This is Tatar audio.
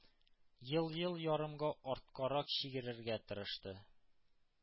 Ел-ел ярымга арткарак чигерергә тырышты.